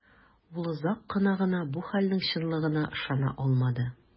Ул озак кына бу хәлнең чынлыгына ышана алмады.